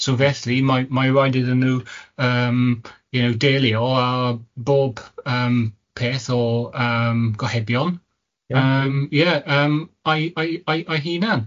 so felly mae mae'n raid iddyn nhw yym you know delio â bob yym peth o yym gohebion yym ie yym a'i a'i a'i a'i hunan.